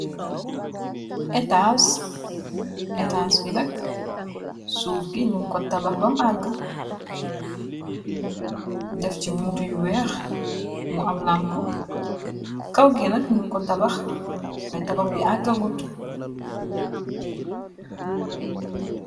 étans gi nag suuf gi nin ko tabax bam àgg def ci bunt yu weex mu am lamp kaw gi nag nin ko tabax lay tabax bi àgga guut